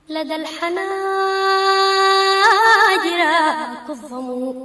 Tile wajira